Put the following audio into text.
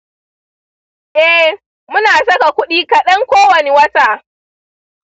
eh, muna saka kuɗi kaɗan kowani wata.